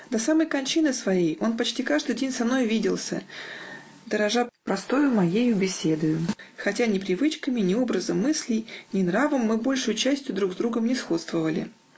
До самой кончины своей он почти каждый день со мною виделся, дорожа простою моею беседою, хотя ни привычками, ни образом мыслей, ни нравом мы большею частию друг с другом не сходствовали.